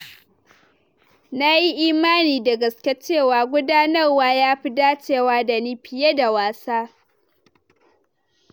"Na yi imani da gaske cewa gudanarwa ya fi dacewa da ni, fiye da wasa.